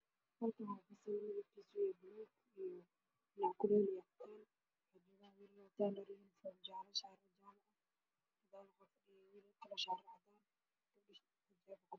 Halkaan waxaa ka muuqdo arday wiilal iyo gabdho wiilasha waxay qabaan shaati jaalo kuwana mid cadaan ah gabdhahana hijaab cadays ah